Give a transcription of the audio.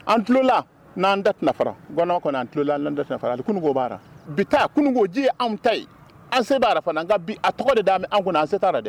An tulola n'an da fara ganan tulola bi ji anw ta an se b'a a tɔgɔ de d' anw kun an se ta dɛ